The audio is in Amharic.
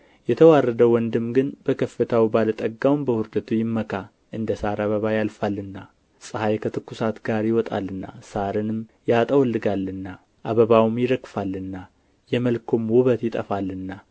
የተዋረደው ወንድም ግን በከፍታው ባለ ጠጋም በውርደቱ ይመካ እንደ ሣር አበባ ያልፋልና ፀሐይ ከትኵሳት ጋር ይወጣልና ሣርንም ያጠወልጋልና አበባውም ይረግፋልና የመልኩም ውበት ይጠፋልና